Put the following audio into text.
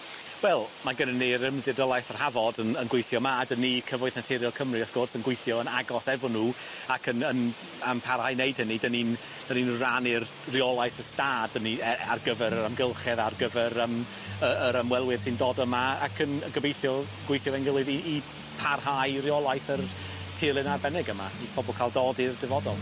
Wel ma' gynnon ni'r ymdidolaeth yr Hafod yn yn gweithio 'ma a 'dyn ni cyfoeth naturiol Cymru wrth gwrs yn gweithio yn agos efo nw ac yn yn am parhau neud hynny 'dyn ni'n 'dyn ni'n rannu'r reolaeth y stad 'dyn ni e- ar gyfer yr amgylchedd ar gyfer yym y yr ymwelwyr sy'n dod yma ac yn yy gobeithio gweithio efo'n gilydd i i parhau reolaeth yr tirlen arbennig yma i pobol ca'l dod i'r dyfodol.